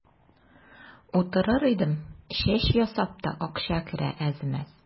Утырыр идем, чәч ясап та акча керә әз-мәз.